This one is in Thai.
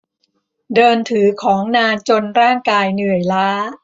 เดินถือของนานจนร่างกายเหนื่อยล้า